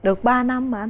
được ba năm mà anh